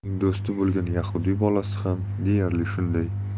uning do'sti bo'lgan yahudiy bolasi ham deyarli shunday